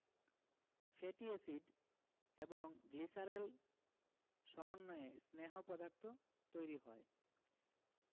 fatty acid এবং glycerol সমন্বয়ে স্নেহ পদার্থ তৈরি হয়